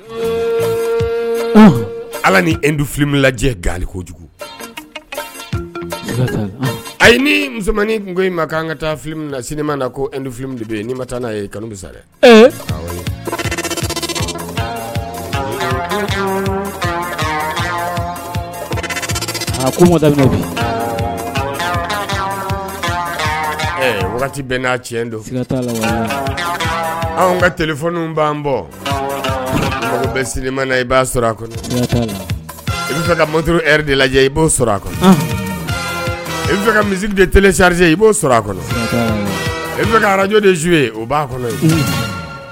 Ala ni dun lajɛ gali kojugu ayi ni musomannin tun ko in maan ka taa sini mana na ko dunfi ye ni ma taa n'a ye kanu sa dɛ bɛɛ n'a don ka tfw b'an bɔ bɛ na i b'a a kɔnɔ i' ka mɔto de lajɛ i b'o sɔrɔ a kɔnɔ i' ka misisiri de tle sariyari i b'o sɔrɔ a kɔnɔ i ka arajo de su ye b'a kɔnɔ